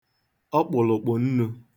ọkpụ̀lụ̀kpụ̀ nnū